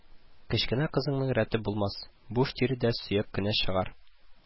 Кечкенә кызның рәте булмас, буш тире дә сөяк кенә чыгар